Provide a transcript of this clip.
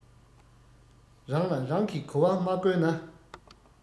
རང ལ རང གིས གོ བ མ བསྐོན ན